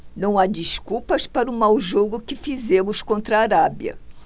não há desculpas para o mau jogo que fizemos contra a arábia